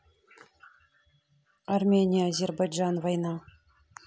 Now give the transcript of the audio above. армения азербайджан война